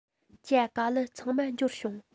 ཇ ག ལི ཚང མ འབྱོར བྱུང